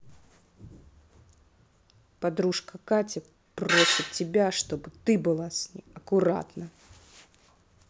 подружка катя просит тебя чтобы ты была с неаккуратно